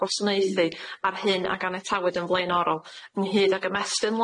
gwasanaethu ar hyn ag anetawyd yn flaenorol ynghyd ag ymestyn